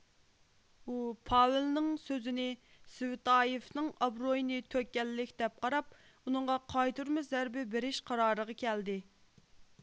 ئۇ پاۋېلنىڭ سۆزىنى سۋېتايېفنىڭ ئابرۇيىنى تۆككەنلىك دەپ قاراپ ئۇنىڭغا قايتۇرما زەربە بېرىش قارارىغا كەلدى